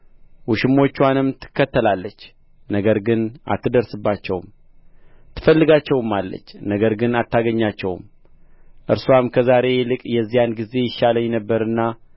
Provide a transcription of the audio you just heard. ውሽሞችዋንም ትከተላለች ነገር ግን አትደርስባቸውም ትፈልጋቸውማለች ነገር ግን አታገኛቸውም እርስዋም ከዛሬ ይልቅ የዚያን ጊዜ ይሻለኝ ነበርና